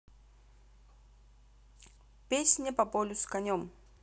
песня по полю с конем